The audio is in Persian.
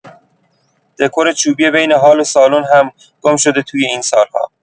دکور چوبی بین هال و سالن هم گم شده توی این سال‌ها.